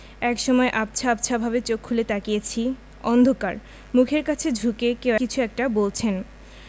একসময় আবছা আবছাভাবে চোখ খুলে তাকিয়েছি অন্ধকার মুখের কাছে ঝুঁকে কেউ কিছু একটা বলছেন